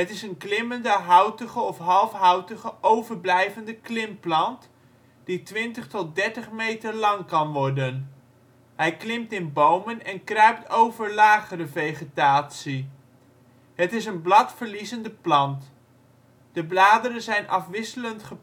is een klimmende houtige of halfhoutige overblijvende klimplant, die 20 tot 30 m lang kan worden. Hij klimt in bomen en kruipt over lagere vegetatie. Het is een bladverliezende plant. De bladeren zijn afwisselend